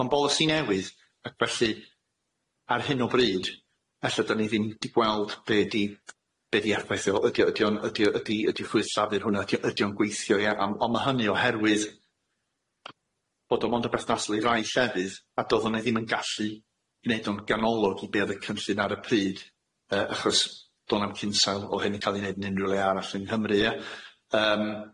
Ma'n bolisi newydd ac felly ar hyn o bryd ella do'n ni ddim di gweld be' di be' di effaith o, ydi o ydi o'n ydi o ydi ydi llwyth lladdur hwnna ydi o ydi o'n gweithio ia on' on' ma' hynny oherwydd bod o mond y berthnasol i rai llefydd a do'dd o'n i ddim yn gallu neud o'n ganolog i be' o'dd y cynllun ar y pryd yy achos do'n na'm hinsail o hyn yn ca'l i neud yn unryw le arall yng Nghymru ia yym.